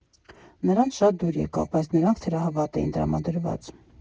Նրանց շատ դուր եկավ, բայց նրանք թերահավատ էին տրամադրված.